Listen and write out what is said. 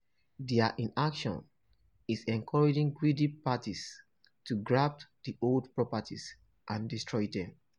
Their inaction is encouraging greedy parties to grab the old properties and destroy them.